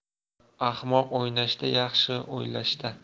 ahmoq o'ynashda yaxshi o'ylashda